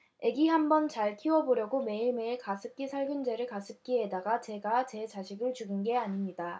애기 한번 잘 키워보려고 매일매일 가습기 살균제를 가습기에다가 제가 제 자식을 죽인 게 아닙니다